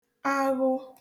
aghụ